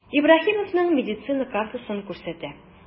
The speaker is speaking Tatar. Ибраһимовның медицина картасын күрсәтә.